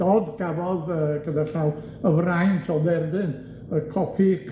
Dodd gafodd yy gyda llaw y fraint o dderbyn y copi